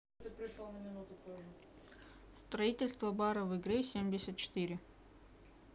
строительство бара в игре семьдесят четыре